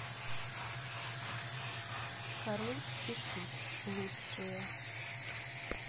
король и шут лучшее